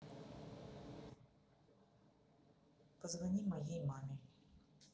позвони моей маме